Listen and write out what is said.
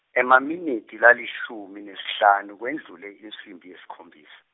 Emaminitsi lalishumi nesihlanu kwendlule insimbi yesikhombisa.